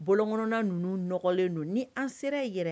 Bɔ kɔnɔnna ninnu nɔgɔlen don ni an sera i yɛrɛ